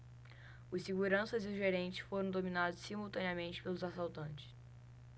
os seguranças e o gerente foram dominados simultaneamente pelos assaltantes